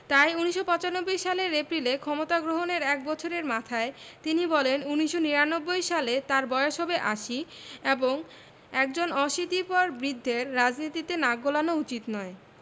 তাই ১৯৯৫ সালের এপ্রিলে ক্ষমতা গ্রহণের এক বছরের মাথায় তিনি বলেন ১৯৯৯ সালে তাঁর বয়স হবে আশি এবং একজন অশীতিপর বৃদ্ধের রাজনীতিতে নাক গলানো উচিত নয়